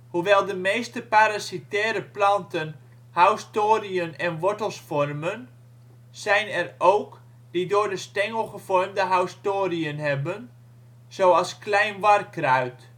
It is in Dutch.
Hoewel de meeste parasitaire planten haustoriën op de wortels vormen, zijn er ook die door de stengel gevormde haustoriën hebben, zoals klein warkruid